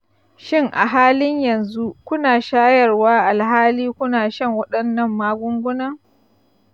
shin a halin-yanzu ku na shayarwa alhali ku na shan waɗannan magungunana?